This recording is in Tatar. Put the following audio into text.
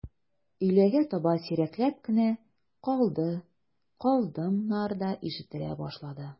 Өйләгә таба сирәкләп кенә «калды», «калдым»нар да ишетелә башлады.